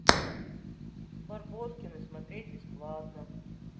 барбоскины смотреть бесплатно